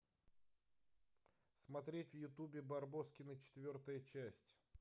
смотреть в ютубе барбоскины четвертая часть